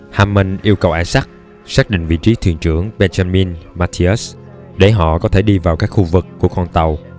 hammond yêu cầu isaac xác định vị trí thuyền trưởng benjamin mathius để họ có thể đi vào các khu vực của con tàu